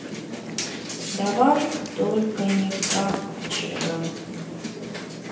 давай только не как вчера